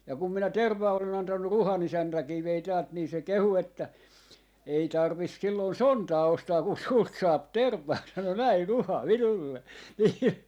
ja kun minä tervaa olen antanut Ruhan isäntäkin vei täältä niin se kehui että ei tarvitse silloin sontaa ostaa kun sinulta saa tervaa sanoi näin Ruha minulle niin